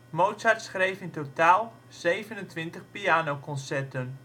Mozart schreef in totaal 27 pianoconcerten